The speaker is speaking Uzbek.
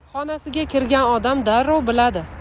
xonasiga kirgan odam darrov biladi